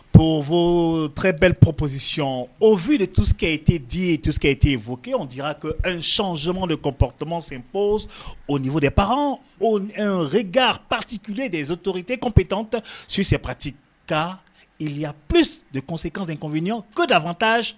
Popb ppɔpɔsicɔn o v de tuseke i tɛ diye tuse e te yen fɔ ke tigɛcsɔnɔn de koptsen p o nin de pan ga patitilen detoteptan ta susɛ pati ka e p desekanpɲɔgɔnɔn ko dafata